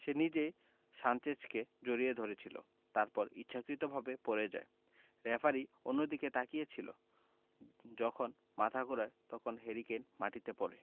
সে নিজেই সানচেজকে জড়িয়ে ধরেছিল তারপরে ইচ্ছাকৃতভাবে পড়ে যায় রেফারি অন্যদিকে তাকিয়ে ছিল যখন মাথা ঘোরায় তখন হ্যারি কেইন মাটিতে পড়ে